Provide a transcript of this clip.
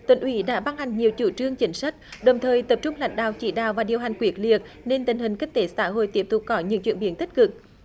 tỉnh ủy đã ban hành nhiều chủ trương chính sách đồng thời tập trung lãnh đạo chỉ đạo và điều hành quyết liệt nên tình hình kinh tế xã hội tiếp tục có những chuyển biến tích cực